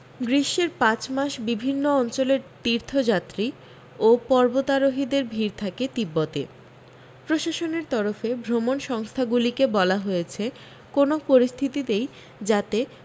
গ্রীষ্মের পাঁচ মাস বিভিন্ন অঞ্চলের তীর্থযাত্রী ও পর্বতারোহীদের ভিড় থাকে তিব্বতে প্রশাসনের তরফে ভ্রমণ সংস্থাগুলিকে বলা হয়েছে কোনও পরিস্থিতিতেই যাতে